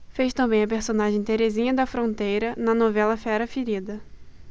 fez também a personagem terezinha da fronteira na novela fera ferida